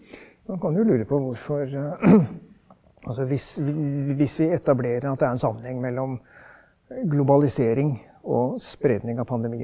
man kan jo lure på hvorfor altså hvis vi hvis vi etablerer at det er en sammenheng mellom globalisering og spredning av pandemi.